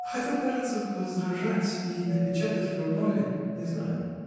— Хотел, кажется, возражать и напечатать в журнале, не знаю.